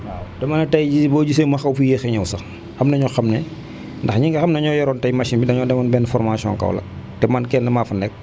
waaw dama ne tey jii boo gisee ma xaw fi yéex a ñëw sax am na ñoo xam ne ndax ñi nga xam ne ñoo yoroon tey machine bi dañoo demoon benn formation Kaolack te man kenn maa fa nekk